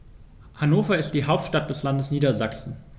Hannover ist die Hauptstadt des Landes Niedersachsen.